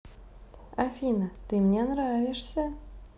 афина ты мне нравишься